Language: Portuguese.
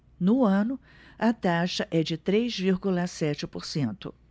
no ano a taxa é de três vírgula sete por cento